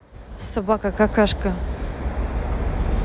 собака какашка